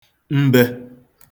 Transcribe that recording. mbē